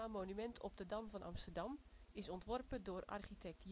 Monument op de Dam van Amsterdam is ontworpen door architect